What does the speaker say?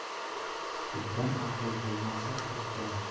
tubdan aql bo'lmasa